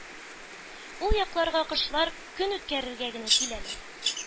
Ул якларга кошлар көн үткәрергә генә киләләр.